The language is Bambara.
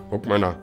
O tuma na